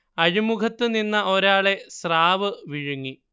അഴിമുഖത്ത് നിന്ന ഒരാളെ സ്രാവ് വിഴുങ്ങി